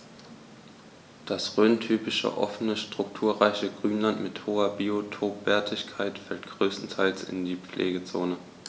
Das rhöntypische offene, strukturreiche Grünland mit hoher Biotopwertigkeit fällt größtenteils in die Pflegezone.